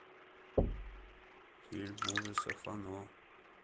фильм ужасов оно